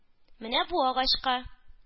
- менә бу агачка.